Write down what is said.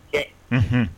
Ee h